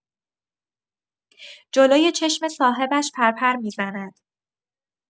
جلوی چشم صاحبش پرپر می‌زند.